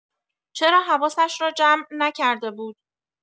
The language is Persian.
چرا حواسش را جمع نکرده بود؟